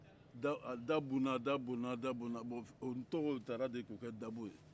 a dabonna a dabonna a dabonna o tɔgɔ tara de k'o kɛ dabo ye